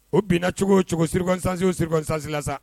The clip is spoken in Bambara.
O bina cogo o cogo s siriksansin s sirisansi la sa